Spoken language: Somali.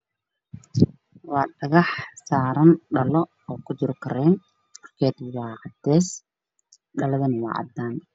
Waa dhagax saaran dhalo oo ka jira kareen gudubkiisu waa caddeeys dhaladana waa caddaan